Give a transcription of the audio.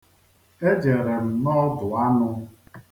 Ejere m n'ọdụ anụ.